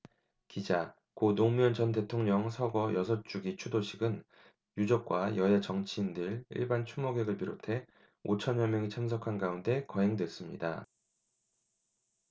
기자 고 노무현 전 대통령 서거 여섯 주기 추도식은 유족과 여야 정치인들 일반 추모객을 비롯해 오 천여 명이 참석한 가운데 거행됐습니다